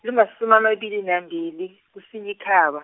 elimasumi amabili nambili, kuSinyikhaba.